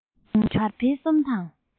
བྱུང དར འཕེལ གསུམ གྱི